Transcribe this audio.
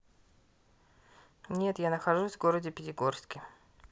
нет я нахожусь в городе пятигорске